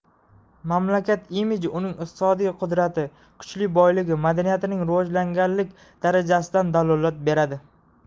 mamlakat imiji uning iqtisodiy qudrati kuchi boyligi madaniyatining rivojlanganlik darajasidan dalolat beradi